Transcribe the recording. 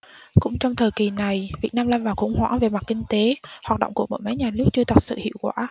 cũng trong thời kỳ này việt nam lâm vào khủng hoảng về mặt kinh tế hoạt động của bộ máy nhà nước chưa thật sự hiệu quả